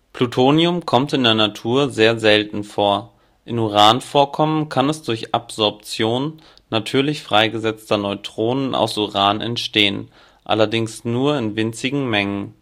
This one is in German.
Plutonium kommt in der Natur sehr selten vor - in Uranvorkommen kann es durch Absorption natürlich freigesetzter Neutronen aus Uran entstehen, allerdings nur in winzigen Mengen